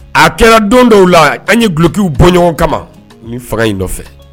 A kɛra don dɔw la an ye dulokiw bɔɲɔgɔn kama ni fanga in nɔfɛ